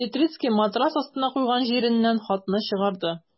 Петрицкий матрац астына куйган җирәннән хатны чыгарды.